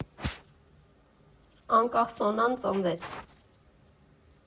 Անկախ Սոնան ծնվեց։